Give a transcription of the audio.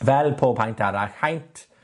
fel pob haint arall. Haint